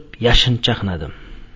yashin chaqnadi